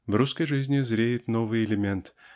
в русской жизни зреет новый элемент